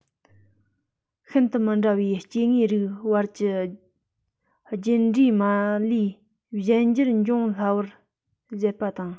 ཤིན ཏུ མི འདྲ བའི སྐྱེ དངོས རིགས བར གྱི རྒྱུད འདྲེས མ ལས གཞན འགྱུར འབྱུང སླ བར བཞེད པ དང